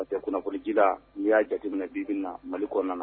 nɔntɛ , kunnafonidila, n'i y'a jate minɛ bibi, Mali kɔnɔna